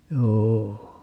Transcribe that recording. joo